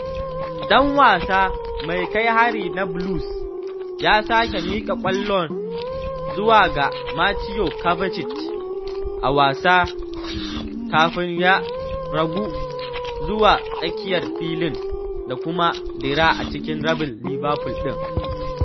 Ɗan wasa mai kai hari na Blues ya sake miƙa ƙwallo zuwa ga Mateo Kovacic a wasan, kafin ya ruga zuwa tsakiyar filin da kuma dira a cikin rabin Liverpool ɗin.